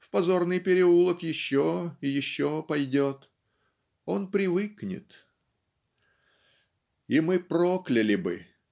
в позорный переулок еще и еще пойдет. Он привыкнет. И мы прокляли бы